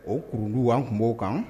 O kurunlu'an tun b'o kan